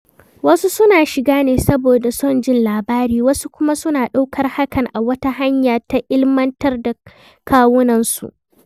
Wasu suna shiga ne saboda son jin labari; wasu kuma suna ɗaukar hakan a wata hanya ta ilmantar da kawunansu.